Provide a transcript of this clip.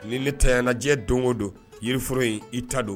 Ni ne tanya na jiɲɛ don o don yiriforo in i ta do